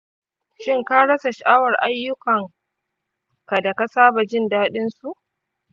shin ka rasa sha’awar ayyukan da ka saba jin daɗinsu?